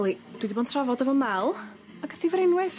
Yli dwi di bo'n trafod efo Mel a gathi frenwêf.